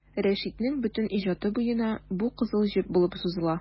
Рәшитнең бөтен иҗаты буена бу кызыл җеп булып сузыла.